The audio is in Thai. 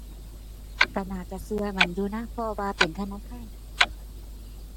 ก็น่าจะก็มั่นอยู่นะ เพราะว่าเป็นธนาคาร